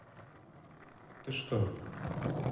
ты что